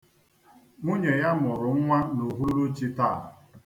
Nwunye ya mụrụ nwa n'uhuluchi taa.